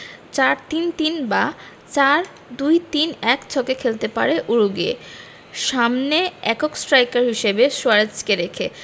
৪ ৩ ৩ বা ৪ ২ ৩ ১ ছকে খেলতে পারে উরুগুয়ে সামনে একক স্ট্রাইকার হিসেবে সুয়ারেজকে রেখে